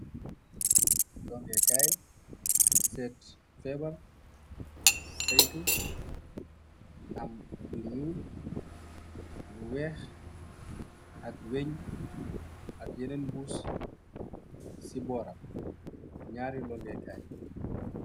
Longekaay set feehbar. Saytu am lu ñuul lu weeh ak yeneen buus ci booral ñaare longekaay.